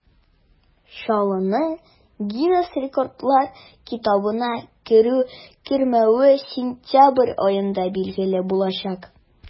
Чаллының Гиннес рекордлар китабына керү-кермәве сентябрь аенда билгеле булачак.